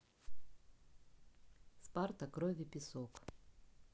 спарта кровь и песок